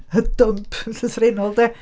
Y dump, yn llythrennol de.